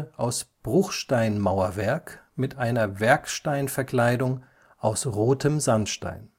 aus Bruchsteinmauerwerk mit einer Werksteinverkleidung aus rotem Sandstein